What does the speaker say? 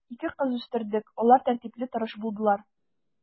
Ике кыз үстердек, алар тәртипле, тырыш булдылар.